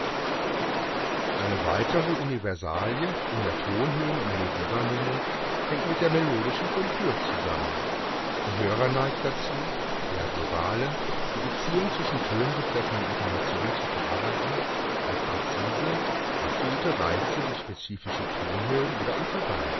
Eine weitere Universalie in der Tonhöhen - und Melodiewahrnehmung hängt mit der melodischen Kontur zusammen. Der Hörer neigt dazu, eher globale, die Beziehung zwischen Tönen betreffende Informationen zu verarbeiten als präzise, absolute Reize wie spezifische Tonhöhen oder Intervalle